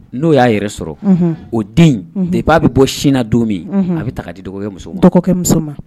N'o y'a yɛrɛ sɔrɔ, unhun, o den, depuis a bɛ bɔ sin na don min, unhun, a bɛ ta ka di dɔgɔkɛ muso ma, dɔgɔkɛ muso ma